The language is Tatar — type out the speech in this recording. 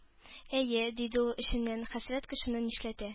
«әйе,— диде ул эченнән,—хәсрәт кешене нишләтә!»